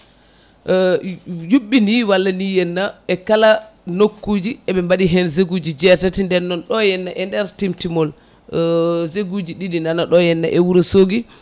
yuɓɓini walla ni henna e kala nokkuji eɓe mbaɗi hen zeg uji jeetati nden noon ɗo e henna e nder Timtimol zeg uji ɗiɗi nana ɗo henna e Wourossogui